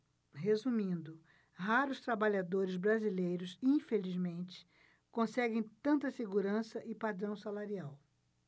resumindo raros trabalhadores brasileiros infelizmente conseguem tanta segurança e padrão salarial